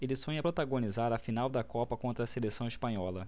ele sonha protagonizar a final da copa contra a seleção espanhola